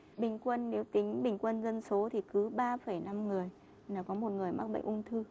bình quân nếu tính bình quân dân số thì cứ ba phẩy năm người nà có một người mắc bệnh ung thư